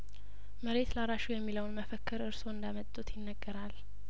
መሬት ላራሹ የሚለውን መፈክር እርስዎ እንዳ መጡት ይነገራል